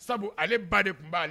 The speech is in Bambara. Sabu ale ba de tun b' ale